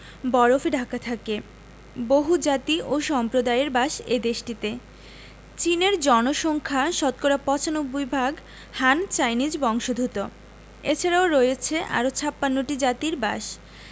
বরফে ঢাকা থাকে বহুজাতি ও সম্প্রদায়ের বাস এ দেশটিতে চীনের জনসংখ্যা শতকরা ৯৫ ভাগ হান চাইনিজ বংশোদূত এছারাও রয়েছে আরও ৫৬ টি জাতির বাস